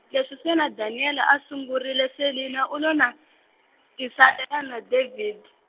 leswi se na Daniel a a sungurile Selinah u lo na, tisalela na David.